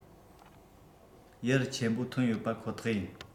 ཡར ཆེན པོ ཐོན ཡོད པ ཁོ ཐག ཡིན